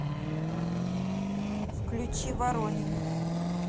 включи воронины